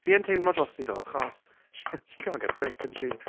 Fi yn teimlo dros hi ddo achos she can't get a break can she?